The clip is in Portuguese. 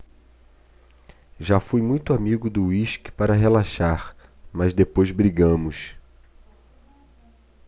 já fui muito amigo do uísque para relaxar mas depois brigamos